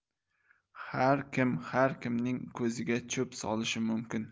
har kim har kimning ko'ziga cho'p solishi mumkin